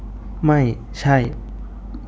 ไม่ใช่